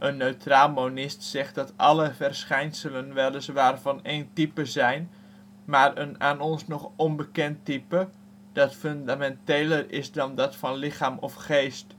neutraal monist zegt dat alle verschijnselen weliswaar van één type zijn, maar een aan ons nog onbekend type, dat fundamenteler is dan dat van lichaam of geest